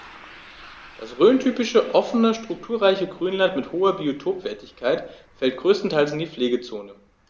Das rhöntypische offene, strukturreiche Grünland mit hoher Biotopwertigkeit fällt größtenteils in die Pflegezone.